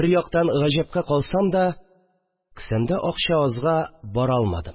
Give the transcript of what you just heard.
Бер яктан, гаҗәпкә калсам да, кесәмдә акча азга бара алмадым